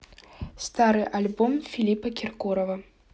старый альбом филиппа киркорова